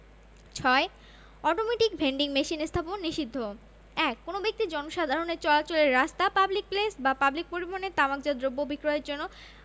৬ automatic vending machine স্থাপন নিষিদ্ধঃ ১ কোন ব্যক্তি জনসাধারণের চলাচলের রাস্তা পাবলিক প্লেস বা পাবলিক পরিবহণে তামাকজাত দ্রব্য বিক্রয়ের জন্য